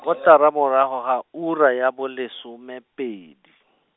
kotara barago ga, ura ya bolesomepedi.